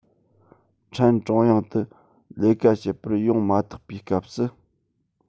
ཕྲན ཀྲུང དབྱང དུ ལས ཀ བྱེད པར ཡོང མ ཐག པའི སྐབས སུ